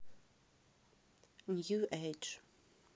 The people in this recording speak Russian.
нью эйдж